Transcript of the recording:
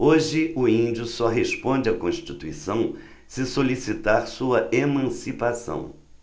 hoje o índio só responde à constituição se solicitar sua emancipação